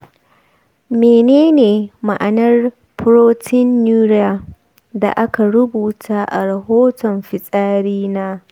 menene ma'anar proteinuria da aka rubuta a rahoton fitsarin na?